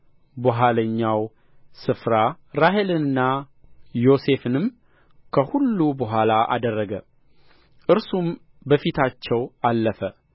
በኋለኛው ስፍራ ራሔልንና ዮሴፍንም ከሁሉ በኋላ አደረገ እርሱም በፊታቸው አለፈ